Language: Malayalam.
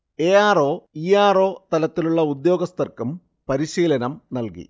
A. R. O., E. R. O. തലത്തിലുള്ള ഉദ്യോഗസ്ഥർക്കും പരിശീലനം നൽകി